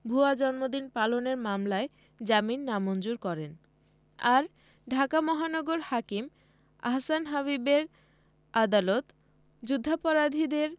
ভুয়া জন্মদিন পালনের মামলায় জামিন নামঞ্জুর করেন আর ঢাকা মহানগর হাকিম আহসান হাবীবের আদালত যুদ্ধাপরাধীদের